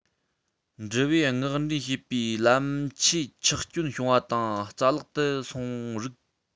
འགྲུལ པས མངགས འདྲེན བྱེད པའི ལམ ཆས ཆག སྐྱོན བྱུང བ དང རྩ བརླག ཏུ སོང རིགས